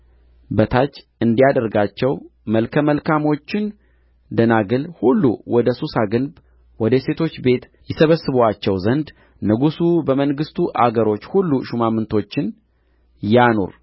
በታች እንዲያደርጓቸው መልከ መልካሞቹን ደናግል ሁሉ ወደ ሱሳ ግንብ ወደ ሴቶች ቤት ይሰበስቡአቸው ዘንድ ንጉሡ በመንግሥቱ አገሮች ሁሉ ሹማምቶችን ያኑር